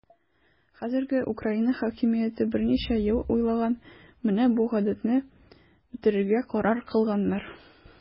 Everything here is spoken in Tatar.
Хәзерге Украина хакимияте берничә ел уйлаган, менә бу гадәтне бетерергә карар кылганнар.